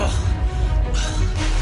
O!